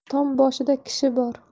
tom boshida kishi bor